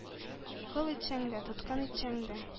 Кол итсәң дә, тоткын итсәң дә,